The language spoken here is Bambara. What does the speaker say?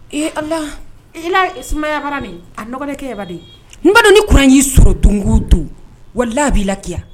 Ee Ala ! I la Sumaya bara nin a nɔgɔlen kɛ nbadi . Ni kuran yi sɔrɔ don go don walayi a bi la kiya